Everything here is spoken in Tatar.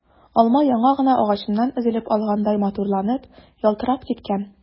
Алма яңа гына агачыннан өзеп алгандай матурланып, ялтырап киткән.